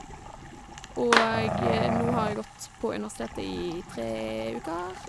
Og nå har jeg gått på universitetet i tre uker.